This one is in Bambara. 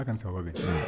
A ka sababu bɛ ci